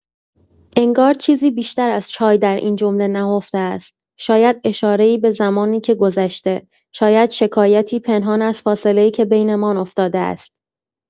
انگار چیزی بیشتر از چای در این جمله نهفته است، شاید اشاره‌ای به زمانی که گذشته، شاید شکایتی پنهان از فاصله‌ای که بینمان افتاده است.